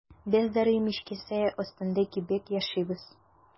Без дары мичкәсе өстендә кебек яшибез.